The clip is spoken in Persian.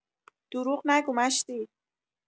دروغ نگو مشدی